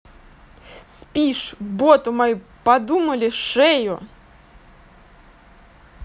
спишь боту мою подумали шею